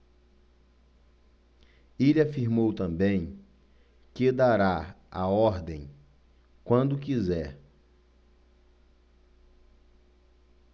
ele afirmou também que dará a ordem quando quiser